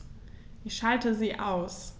Ich schalte sie aus.